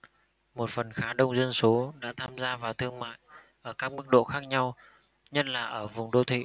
một phần khá đông dân số đã tham gia vào thương mại ở các mức độ khác nhau nhất là ở vùng đô thị